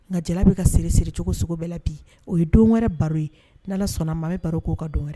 Nka jala bɛ ka sir siri cogoya sugu bɛɛ la bi, o ye don wɛrɛ baro ye n' alah sɔnn'o maa an bɛ baro k'o kan don wɛrɛ!